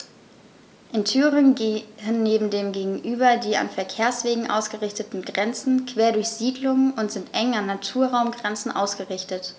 In Thüringen gehen dem gegenüber die an Verkehrswegen ausgerichteten Grenzen quer durch Siedlungen und sind eng an Naturraumgrenzen ausgerichtet.